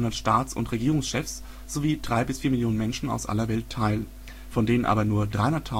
Staats - und Regierungschefs sowie drei bis vier Millionen Menschen aus aller Welt teil, von denen aber nur 300.000